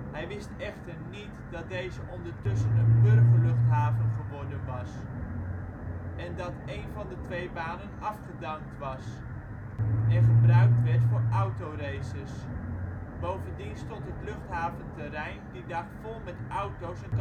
Hij wist echter niet dat deze ondertussen een burgerluchthaven geworden was, en dat een van de twee banen afgedankt was, en gebruikt werd voor autoraces. Bovendien stond het luchthaventerrein die dag vol met auto 's en kampeerwagens